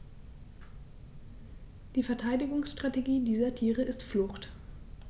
Die Verteidigungsstrategie dieser Tiere ist Flucht.